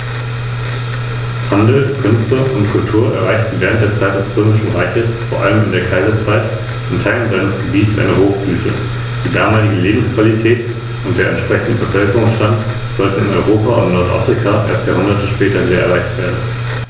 Das Reich übte einen großen Einfluss auf die von ihm beherrschten Gebiete, aber auch auf die Gebiete jenseits seiner Grenzen aus.